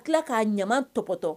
Ka tila k'a ɲama tɔbɔtɔ